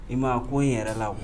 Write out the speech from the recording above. I ma ko in yɛrɛ la